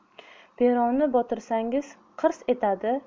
peroni botirsangiz qirs etadi